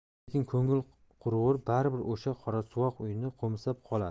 lekin ko'ngil qurg'ur baribir o'sha qorasuvoq uyni qo'msab qoladi